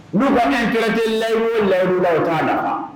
N fana kɛlɛden layiuru layiuruba t'a da wa